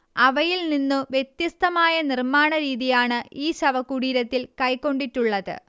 അവയിൽനിന്നു വ്യത്യസ്തമായ നിർമ്മാണരീതിയാണ് ഈ ശവകുടീരത്തിൽ കൈക്കൊണ്ടിട്ടുള്ളത്